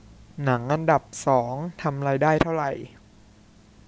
หนังอันดับสองทำรายได้เท่าไหร่